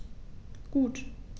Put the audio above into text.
Gut.